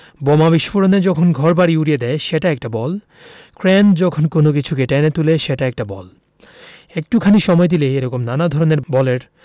বোমা বিস্ফোরণে যখন ঘরবাড়ি উড়িয়ে দেয় সেটা একটা বল ক্রেন যখন কোনো কিছুকে টেনে তুলে সেটা একটা বল একটুখানি সময় দিলেই এ রকম নানা ধরনের বলের